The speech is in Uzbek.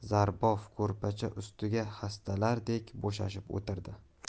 qilgan zarbof ko'rpacha ustiga xastalardek bo'shashib o'ltirdi